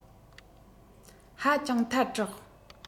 ཧ ཅང ཐལ དྲགས